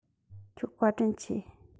ཁྱོད བཀའ དྲིན ཆེ